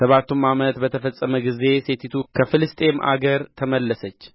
ሰባቱም ዓመት በተፈጸመ ጊዜ ሴቲቱ ከፍልስጥኤም አገር ተመለሰች ስለ ቤትዋና